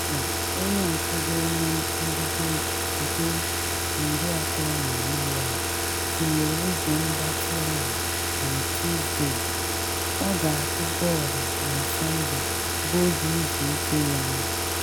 Scherzer, onye nke ga-eme mbido nke 34 ya, tinyere oge mgbatị ahụ na Tọsde, ọ ga-atụ bọọlụ na Sọnde bụ oge izu ike ya.